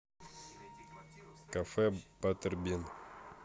кафе батербин